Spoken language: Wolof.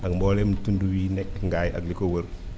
ak mboolem tund yi nekk ngaye ak li ko wër